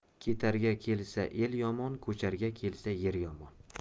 ketarga kelsa el yomon ko'charga kelsa yer yomon